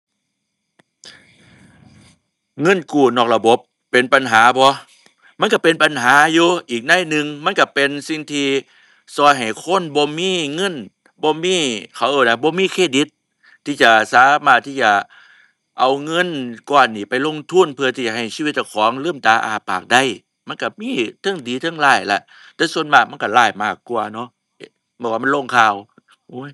เงินกู้นอกระบบเป็นปัญหาบ่ มันก็เป็นปัญหาอยู่ อีกนัยหนึ่งมันก็เป็นสิ่งที่ก็ให้คนบ่มีเงิน บ่มี เขาเอิ้นว่า บ่มีเครดิตที่จะสามารถที่จะเอาเงินก้อนนี้ไปลงทุนเพื่อที่ให้ชีวิตเจ้าของลืมตาอ้าปากได้ มันก็มีเทิงดีเทิงร้ายล่ะ แต่ส่วนมากมันก็ร้ายมากกว่าเนาะ เพราะว่ามันลงข่าว โอ๊ย